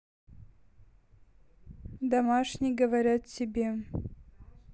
домашний говорят тебе